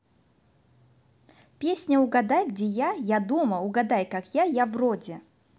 песня угадай где я я дома угадай как я я вроде